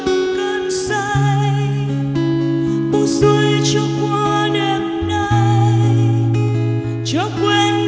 cơn say buông xuôi cho qua đêm nay cho quên